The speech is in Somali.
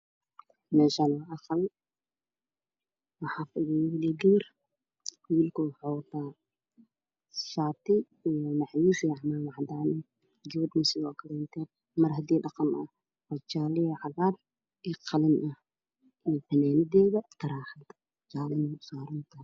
Meshaan waxaa fadhiyo wiil iyo Gabar wiilka waxa uu wataa shaati iyo macwiis cadana ah gabadha sidookle mara hida iyo dhahqan oojaala iyo cagar oo qalin ah oo funanadeeda tarax u sarantahy